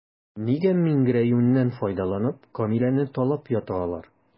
Нигә миңгерәюеннән файдаланып, Камиләне талап ята алар?